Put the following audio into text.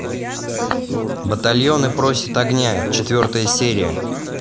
батальоны просят огня четвертая серия